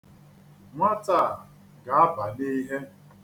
Nwata a ga-aba n'ihe.